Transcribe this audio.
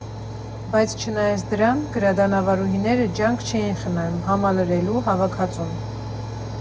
Բայց չնայած դրան՝ գրադարանավարուհիները ջանք չէին խնայում համալրելու հավաքածուն։